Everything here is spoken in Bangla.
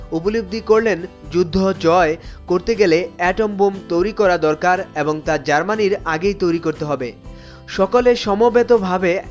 উপলব্ধি করলেন যুদ্ধ জয় করতে গেলে এটম বোম তৈরি করা দরকার এবং তা জার্মানির আগেই তৈরি করতে হবে সকলের সমবেতভাবে